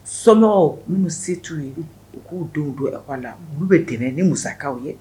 Soɔnɔw minnu se t'u ye u k'u denw don eko la olu bɛ dɛmɛɛnɛn ni musakaw ye